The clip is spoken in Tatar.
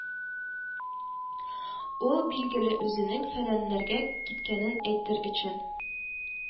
Ул, билгеле, үзенең фәләннәргә киткәнен әйтер өчен